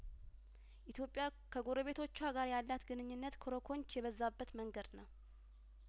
ኢትዮጵያ ከጐረቤቶቿ ጋር ያላት ግንኙነት ኮረኮንች የበዛበት መንገድ ነው